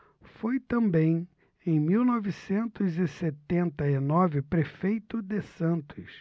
foi também em mil novecentos e setenta e nove prefeito de santos